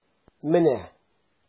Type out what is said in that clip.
Менә...